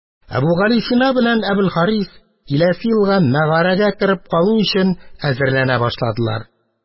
Әбүгалисина белән Әбелхарис киләсе елга мәгарәгә кереп калу өчен әзерләнә башладылар.